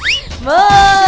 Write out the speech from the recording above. mười